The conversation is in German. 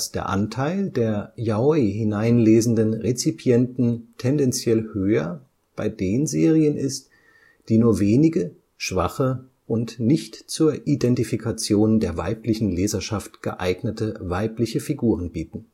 der Anteil der Yaoi hineinlesenden Rezipienten tendenziell höher bei den Serien ist, die nur wenige, schwache und nicht zur Identifikation der weiblichen Leserschaft geeignete weibliche Figuren bieten